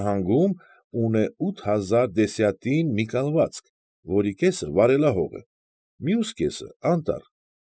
Նահանգում ունե ութ հազար դեսյատին մի կալվածք, որի կեսը վարելահող է, մյուս կեսը անտառ։